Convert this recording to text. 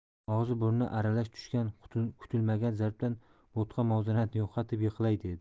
og'iz burni aralash tushgan kutilmagan zarbdan bo'tqa muvozanatini yo'qotib yiqilay dedi